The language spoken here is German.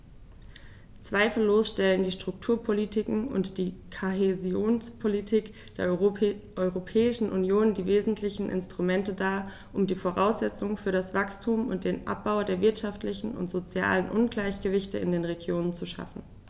Zweifellos stellen die Strukturpolitiken und die Kohäsionspolitik der Europäischen Union die wesentlichen Instrumente dar, um die Voraussetzungen für das Wachstum und den Abbau der wirtschaftlichen und sozialen Ungleichgewichte in den Regionen zu schaffen.